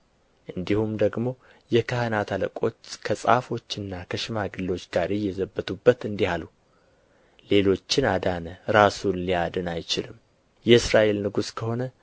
እንዲሁም ደግሞ የካህናት አለቆች ከጻፎችና ከሽማግሎች ጋር እየዘበቱበት እንዲህ አሉ ሌሎችን አዳነ ራሱን ሊያድን አይችልም የእስራኤል ንጉሥ ከሆነ